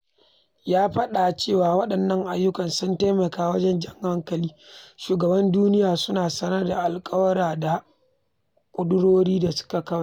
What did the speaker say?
Ya faɗa cewa waɗannan ayyukan sun taimaka wajen jan hankalin shugabannin duniya su sanar da alƙawura da ƙudurori da suka kai kwatancin dala biliyan 37 da aka tsara za su shafi rayuwar fiye da mutane biliyan 2.25 a duniya zuwa shekara ta 2030.